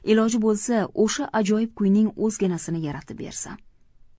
iloji bo'lsa o'sha ajoyib kuyning o'zginasini yaratib bersam